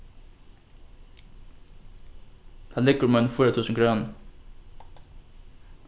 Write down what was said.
tað liggur um eini fýra túsund krónur